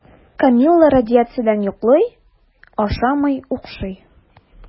Камилла радиациядән йоклый, ашамый, укшый.